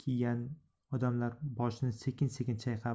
kiygan odamlar boshini sekin sekin chayqab